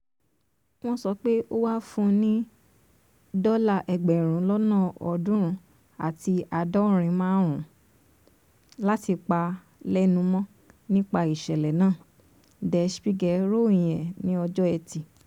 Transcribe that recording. Wọn sọ pé ó wá fún ní $375,000 láti pa á lẹ́nu mọ́ nípa ìṣẹ̀lẹ̀ náà, Der Spiegel reported on Friday.